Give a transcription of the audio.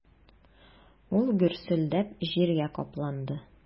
Ул гөрселдәп җиргә капланды.